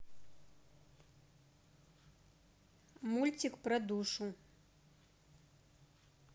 мультик про душу